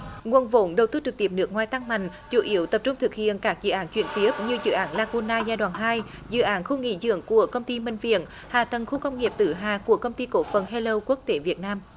nguồn vốn đầu tư trực tiếp nước ngoài tăng mạnh chủ yếu tập trung thực hiện các dự án chuyển tiếp như dự án la cu nai giai đoạn hai dự án khu nghỉ dưỡng của công ty minh viện hạ tầng khu công nghiệp tử hà của công ty cổ phần hê lâu quốc tế việt nam